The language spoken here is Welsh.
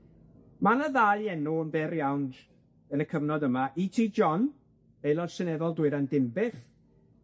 Ma' 'na ddau enw yn byr iawn yn y cyfnod yma, Ee Tee John, Aelod Seneddol Dwyrain Dinbych,